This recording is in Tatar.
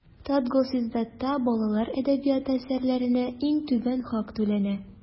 Татгосиздатта балалар әдәбияты әсәрләренә иң түбән хак түләнә.